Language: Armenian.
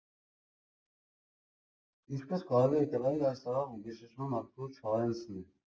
Ինչպես կարելի է կռահել, այս տարվա ոգեշնչման աղբյուրը Չարենցն է։